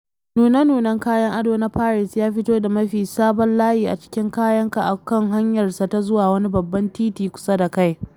Nune-nunen kayan ado na Paris ya fito da mafi sabon layi a cikin kayan ka a kan hanyarsa ta zuwa wani Babban Titi kusa da kai